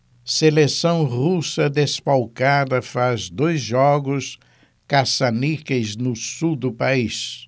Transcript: seleção russa desfalcada faz dois jogos caça-níqueis no sul do país